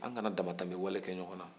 an kana dannatɛmɛwale kɛ ɲɔgɔn na bilen